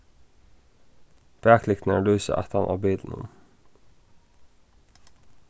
baklyktirnar lýsa aftan á bilinum